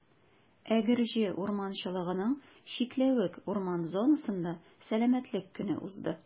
Әгерҗе урманчылыгының «Чикләвек» урман зонасында Сәламәтлек көне узды.